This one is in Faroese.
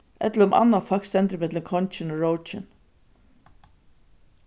ella um annað fólk stendur ímillum kongin og rókin